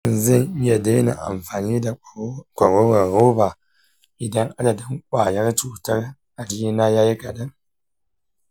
shin zan iya daina amfani da kwaroron roba idan adadin ƙwayar cutar a jinina yayi kaɗan?